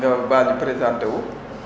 nga baal ñu présenté wu